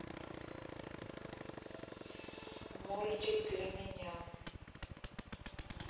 мультик для меня